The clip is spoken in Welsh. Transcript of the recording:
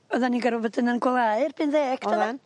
Oddan ni gar'o' fod yn 'yn gwlau erbyn ddeg... Oddan.